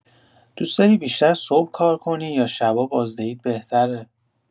دوست‌داری بیشتر صبح کار کنی یا شبا بازدهیت بهتره؟